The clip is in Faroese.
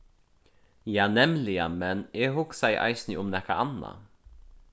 ja nemliga men eg hugsaði eisini um nakað annað